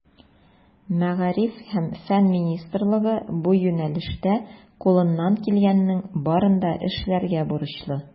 Мәгариф һәм фән министрлыгы бу юнәлештә кулыннан килгәннең барын да эшләргә бурычлы.